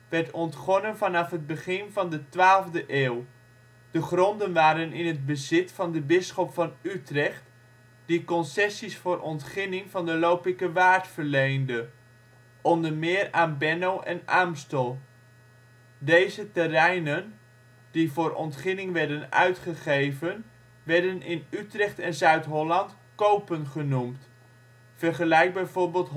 werd ontgonnen vanaf het begin van de 12e eeuw. De gronden waren in het bezit van de bisschop van Utrecht, die concessies voor ontginning van de Lopikerwaard verleende, onder meer aan Benno van Aemstel. Deze terreinen, die voor ontginning werden uitgegeven, werden in Utrecht en Zuid-Holland copen genoemd (vergelijk bijvoorbeeld